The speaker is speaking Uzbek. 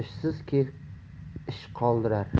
ishsiz kehb ish qoldirar